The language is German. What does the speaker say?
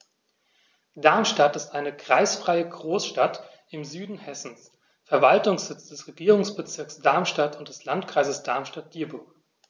Darmstadt ist eine kreisfreie Großstadt im Süden Hessens, Verwaltungssitz des Regierungsbezirks Darmstadt und des Landkreises Darmstadt-Dieburg.